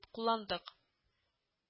Кулландык